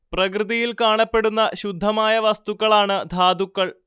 പ്രകൃതിയിൽ കാണപ്പെടുന്ന ശുദ്ധമായ വസ്തുക്കളാണ് ധാതുക്കൾ